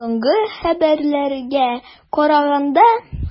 Соңгы хәбәрләргә караганда.